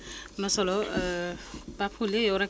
am na solo Pape Khoulé yow nag